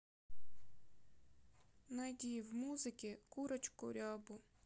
найди в музыке курочку рябу